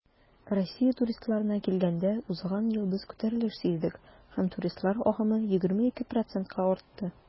Россия туристларына килгәндә, узган ел без күтәрелеш сиздек һәм туристлар агымы 22 %-ка артты.